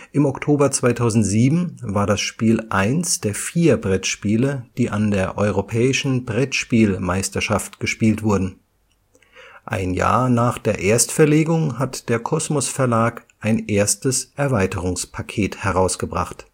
Im Oktober 2007 war das Spiel eins der vier Brettspiele, die an der europäischen Brettspielmeisterschaft gespielt wurden. Ein Jahr nach der Erstverlegung hat der Kosmos-Verlag ein erstes Erweiterungspaket herausgebracht